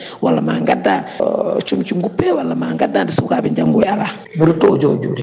walla ma gadda comci guppe walla ma gadda nde sukaɓe janggoya ala mboɗo to *